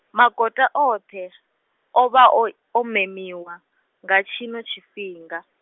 magota oṱhe, o vha o, o memiwa, nga tshino tshifhinga.